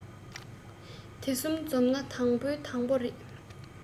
དེ གསུམ འཛོམས ན དང པོའི དང པོ རེད